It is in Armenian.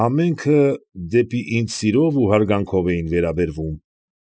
Ամենքը դեպի ինձ սիրով ու հարգանքով էին վերաբերվում։